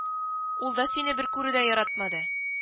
—ул да сине бер күрүдә яратмады